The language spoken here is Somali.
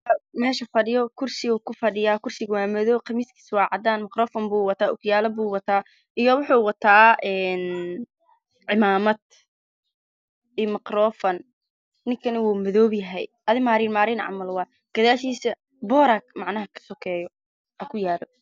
Nin meel fadhiyo kursiga waa madow